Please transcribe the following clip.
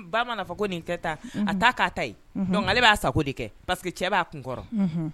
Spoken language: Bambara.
Ba man'fɔ ko nin kɛ ta, a tɛ a kɛ a ta ye donc ale b'a sago kɛ parce que cɛ b'a kun kɔrɔ!